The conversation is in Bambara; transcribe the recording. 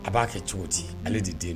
A b'a kɛ cogo di ale de den